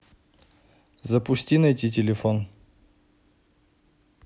запусти найти телефон